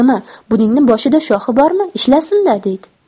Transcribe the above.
nima buningni boshida shoxi bormi ishlasin da deydi